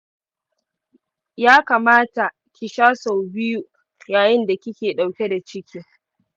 ya kamata ki sha sau biyu yayin da kike ɗauke da ciki